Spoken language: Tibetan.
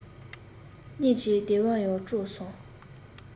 གཉིད ཀྱི བདེ བ ཡང དཀྲོགས སོང